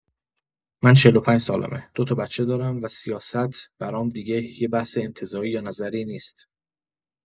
من ۴۵ سالمه، دو تا بچه دارم، و سیاست برام دیگه یه بحث انتزاعی یا نظری نیست.